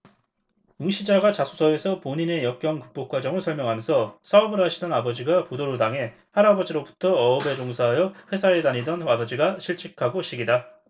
응시자가 자소서에서 본인의 역경 극복 과정을 설명하면서 사업을 하시던 아버지가 부도를 당해 할아버지부터 어업에 종사하여 회사에 다니던 아버지가 실직하고 식이다